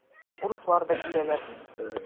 Урыслар да киләләр.